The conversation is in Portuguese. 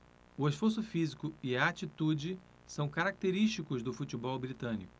o esforço físico e a atitude são característicos do futebol britânico